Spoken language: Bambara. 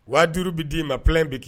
Wadu bɛ di'i ma p pe in bɛ kɛ